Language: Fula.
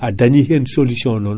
a dañi hen solution non